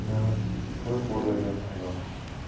minar toy xo'rlagan tayoq